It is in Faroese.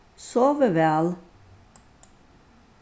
sovið væl